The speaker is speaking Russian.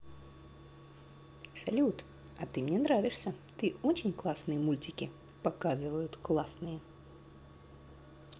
салют а ты мне нравишься ты очень классные мультики показывают классные